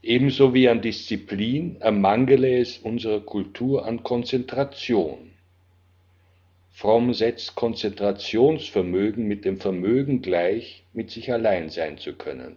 Ebenso wie an Disziplin ermangele es unserer Kultur an Konzentration. Fromm setzt Konzentrationsvermögen mit dem Vermögen gleich, mit sich allein sein zu können: